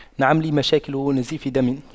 نعم لي مشاكل ونزيف دم